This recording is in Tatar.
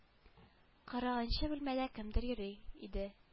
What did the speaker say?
Кырыгынчы бүлмәдә кемдер йөри иде